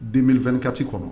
Denele2ikati kɔnɔ